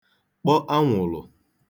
kpọ anwụ̀lụ̀